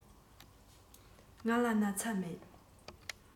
ང ལ སྣག ཚ མེད